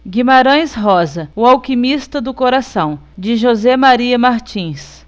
guimarães rosa o alquimista do coração de josé maria martins